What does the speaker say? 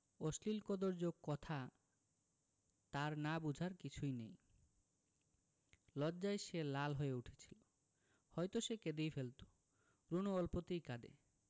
অশ্লীল কদৰ্য কথা তার না বুঝার কিছুই নেই লজ্জায় সে লাল হয়ে উঠেছিলো হয়তো সে কেঁদেই ফেলতো রুনু অল্পতেই কাঁদে